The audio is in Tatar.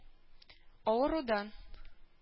Авырудан